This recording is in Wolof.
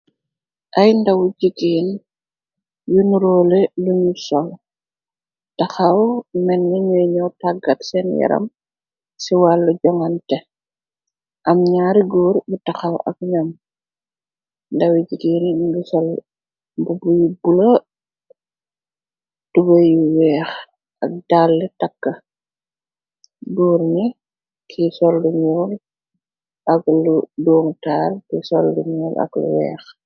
Ay ndawu jigeen yu nuróole luñu sol taxaw, menni ñuy ñëw tàggat seen yaram ci wàle joŋante, am ñaari góor bu taxaw ak ñoom, ndawi jigeeni ngi sol mbubu yu bula, tubaay yu weex ak dàlli takk, góor ñi ki sol lu ñuul ak lu doomtaal, ki sol lu ñuul ak lu weex.